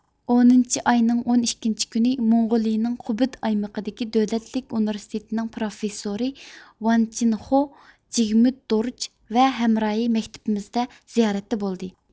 ئونىنچى ئاينىڭ ئون ئىككىنچى كۈنى موڭغولىيىنىڭ قۇبىد ئايمىقىدىكى دۆلەتلىك ئۇنىۋېرسىتېتنىڭ پروففېسسورى ۋانچىنخۇ جىگمېددورج ۋە ھەمراھى مەكتىپىمىزدە زىيارەتتە بولدى